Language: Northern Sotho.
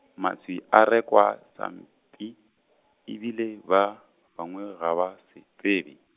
maswi a rekwa sampshi, e bile ba, bangwe ga ba, se tsebe.